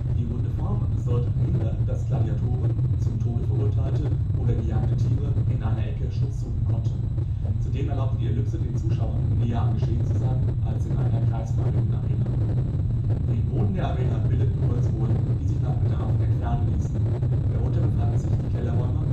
Die runde Form sollte verhindern, dass Gladiatoren, zum Tode Verurteilte oder gejagte Tiere in einer Ecke Schutz suchen konnten. Zudem erlaubte die Ellipse den Zuschauern, näher am Geschehen zu sein als in einer kreisförmigen Arena. Den Boden der Arena bildeten Holzbohlen, die sich nach Bedarf entfernen ließen. Darunter befanden sich die Kellerräume